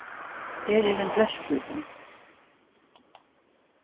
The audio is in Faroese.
her er ein glerpípa